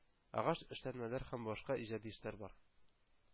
Агач эшләнмәләре һәм башка иҗади эшләр бар.